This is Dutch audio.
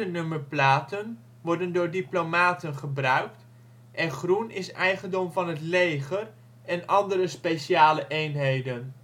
nummerplaten worden door diplomaten gebruikt en groen is eigendom van het leger en andere speciale eenheden